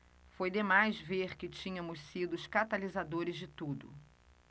foi demais ver que tínhamos sido os catalisadores de tudo